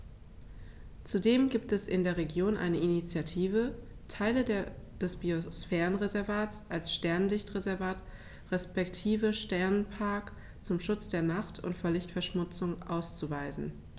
Zudem gibt es in der Region eine Initiative, Teile des Biosphärenreservats als Sternenlicht-Reservat respektive Sternenpark zum Schutz der Nacht und vor Lichtverschmutzung auszuweisen.